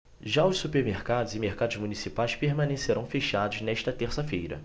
já os supermercados e mercados municipais permanecerão fechados nesta terça-feira